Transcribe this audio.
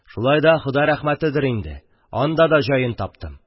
Шулай да, Хода рәхмәтедер инде, анда да җаен таптым.